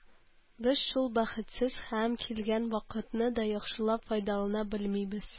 Без шул бәхетсез һәм килгән вакытны да яхшылап файдалана белмибез.